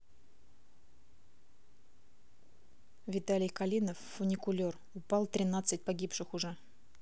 виталий калинов фуникулер упал тринадцать погибших уже